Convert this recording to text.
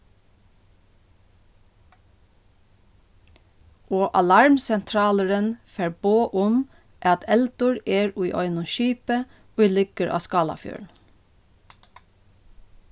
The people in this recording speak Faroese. og alarmsentralurin fær boð um at eldur er í einum skipi ið liggur á skálafjørðinum